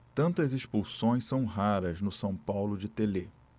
tantas expulsões são raras no são paulo de telê